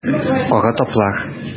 Кара таплар.